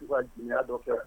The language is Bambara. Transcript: K'u ka diɲɛ dɔ